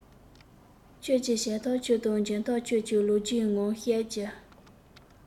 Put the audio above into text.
ཁྱོད ཀྱིས བྱས ཐག ཆོད དང འཇོན ཐག ཆོད ཀྱི ལོ རྒྱུས ངས བཤད ཀྱིས